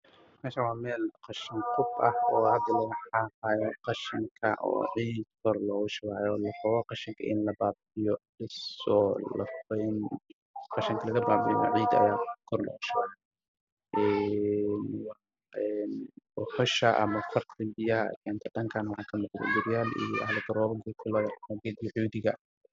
Halkaan waxaa ka muuqdo qashin tiro badan oo meel yaalo meesha waxay u eg tahay meel ay biyaha roobka maraan